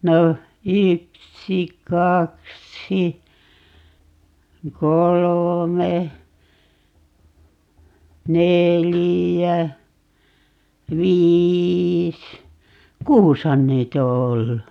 no yksi kaksi kolme neljä viisi kuusihan niitä on ollut